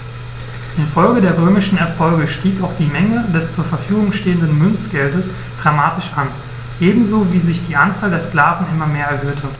Infolge der römischen Erfolge stieg auch die Menge des zur Verfügung stehenden Münzgeldes dramatisch an, ebenso wie sich die Anzahl der Sklaven immer mehr erhöhte.